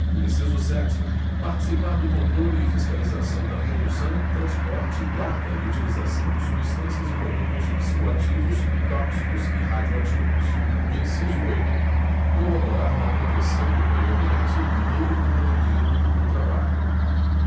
inciso sete participar do controle e fiscalização da produção transporte guarda e utilização de substâncias e produtos psicoativos tóxicos e radioativos inciso oito colaborar na proteção do meio ambiente nele compreendido o do trabalho